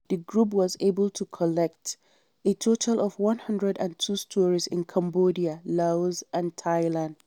The group was able to collect a total of 102 stories in Cambodia, Laos, and Thailand.